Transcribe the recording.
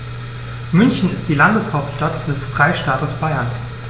München ist die Landeshauptstadt des Freistaates Bayern.